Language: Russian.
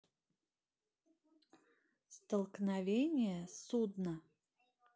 столкновение судно